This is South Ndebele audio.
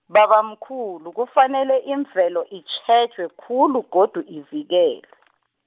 babamkhulu, kufanele imvelo itjhejwe khulu godu ivikelwe .